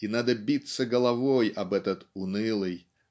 и надо биться головой об этот "унылый